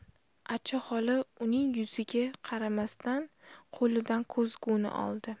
acha xola uning yuziga qaramasdan qo'lidan ko'zguni oldi